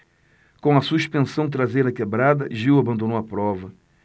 com a suspensão traseira quebrada gil abandonou a prova